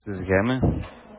Сезгәме?